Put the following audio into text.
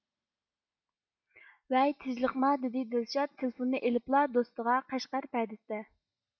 ۋەي تېژلىقما دىدى دىلشاد تېلىفوننى ئېلىپلا دوستىغا قەشقەر پەدىسىدە